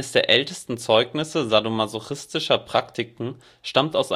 der ältesten Zeugnisse sadomasochistischer Praktiken stammt aus